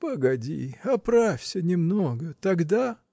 — Погоди, оправься немного, тогда.